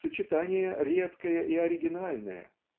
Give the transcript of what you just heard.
сочетание редкое и оригинальное.